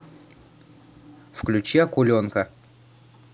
включи акуленка